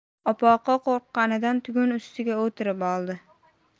opoqi qo'rqqanidan tugun ustiga o'tirib oldi